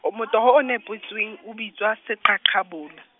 o motoho o nepotsweng o bitswa seqhaqhabola.